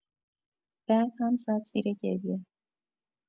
بعد هم زد زیر گریه.